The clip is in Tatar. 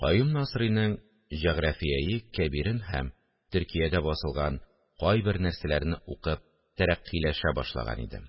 Каюм Насыйриның «Җәгърафияи кәбир»ен һәм Төркиядә басылган кайбер нәрсәләрне укып тәрәккыйләшә башлаган идем